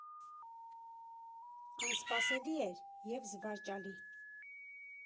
Անսպասելի էր և զվարճալի։